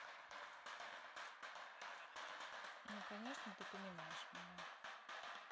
ну конечно ты понимаешь меня